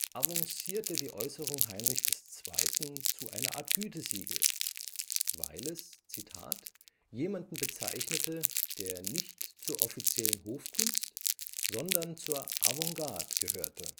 avancierte die Äußerung Wilhelms II. „ zu einer Art Gütesiegel “, weil es „ jemanden bezeichnete, der nicht zur offiziellen Hofkunst, sondern zur Avantgarde gehörte